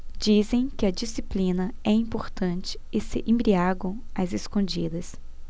dizem que a disciplina é importante e se embriagam às escondidas